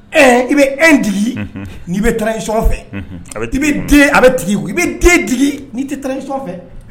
Ɛe i bɛ 1 digi, unhun, n'i bɛ transiion fɛ, unhun, a bɛ tigɛ i kun wa, awɔ a bɛ tigɛ. 2 ni tɛ i fɛ